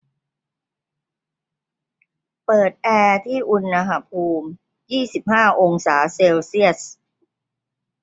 เปิดแอร์ที่อุณหภูมิยี่สิบห้าองศาเซลเซียส